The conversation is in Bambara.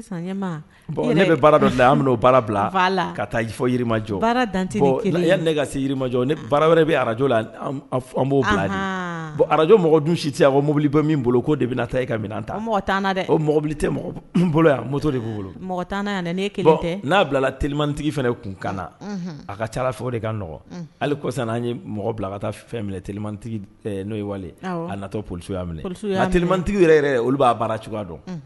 Ne sejɔ wɛrɛ araj b' bila bon araj mɔgɔ dun si tɛ bɔ mobili bɔ min bolo ko de bɛ taa e ka ta mɔgɔ dɛbili tɛ bolo yan muso de b'u bolo mɔgɔ n n'a bila tmantigi fana kunkan na a ka ca fɛ de ka nɔgɔ hali kosan' ye mɔgɔ bila ka taa minɛ ttigi n'o ye wale a natɔ poli y'a tman tigi yɛrɛ olu b'a baara cogoya dɔn